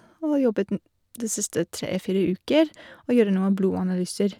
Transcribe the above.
Og jobbet n de siste tre fire uker å gjøre noen blodanalyser.